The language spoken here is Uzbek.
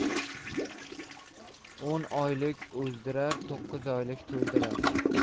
o'n oylik o'zdirar to'qqiz oylik to'ydirar